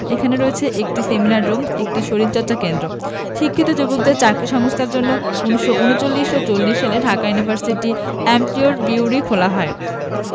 এখানে রয়েছে একটি সেমিনার রুম ও একটি শরীরচর্চা কেন্দ্র শিক্ষিত যুবকদের চাকরির সংস্থানের জন্য ১৯৩৯ ৪০ সালে ঢাকা ইউনিভার্সিটি ইমপ্লয়ি বিউরি খোলা হয়